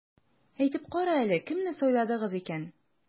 Әйтеп кара әле, кемне сайладыгыз икән?